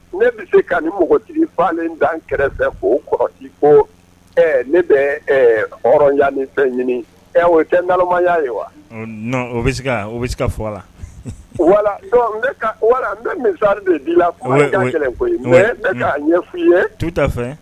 Ne bɛ se ka ni mɔgɔtigi falen dan kɛrɛfɛ fo kɔrɔ ko ne bɛ hɔrɔnyaani fɛn ɲini ɛ o tɛ balimamaya ye wa o fɔ la wala wala n minsari de di la kelen koyi k' ɲɛ f i ye tuta fɛ